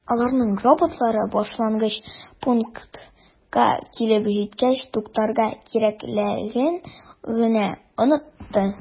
Аларның роботлары башлангыч пунктка килеп җиткәч туктарга кирәклеген генә “онытты”.